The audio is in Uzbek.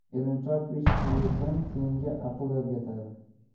erinchoqqa ish buyursang senga aql o'rgatar